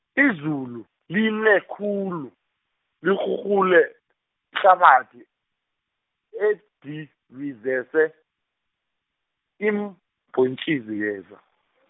izulu, line khulu, lirhurhule, ihlabathi, edibizese, iimbontjisi leza .